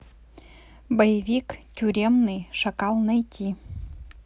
боевик тюремный шакал найти